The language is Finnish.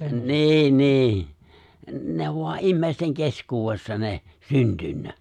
niin niin ne on vain ihmisten keskuudessa ne syntynyt